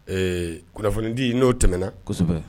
Ee kunnafonidi n'o tɛmɛna